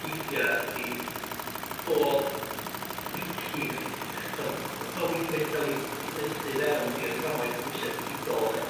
weithia ydi bod wici'n gallu t'od ma' ma' wici'n gallu ca'l 'i 'i blethu fewn i'r fframwaith cymwysia digidol 'de?